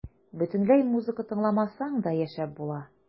Бөтенләй музыка тыңламасаң да яшәп була.